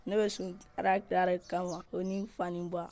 ne bɛ sun alakira de kama o ni n fa ni n ba